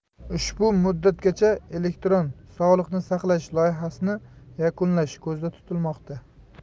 ushbu muddatgacha elektron sog'liqni saqlash loyihasini yakunlash ko'zda tutilmoqda